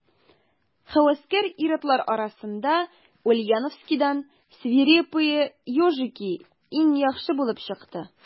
Һәвәскәр ир-атлар арасында Ульяновскидан «Свирепые ежики» иң яхшы булып чыкты.